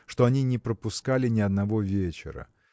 что они не пропускали ни одного вечера.